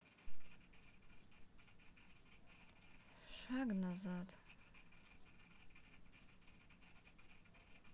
шаг назад